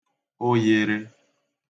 oyērē